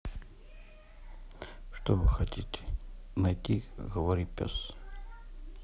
что вы хотите найти говори пес